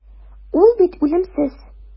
Ул бит үлемсез.